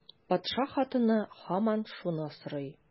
Патша хатыны һаман шуны сорый.